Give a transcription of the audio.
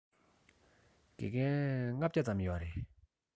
དགེ རྒན ༥༠༠ ཙམ ཡོད རེད